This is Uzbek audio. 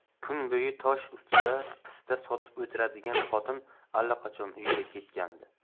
kun bo'yi tosh ustida pista sotib o'tiradigan xotin allaqachon uyiga ketgandi